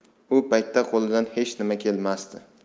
u paytda qo'lidan hech nima kelmasdi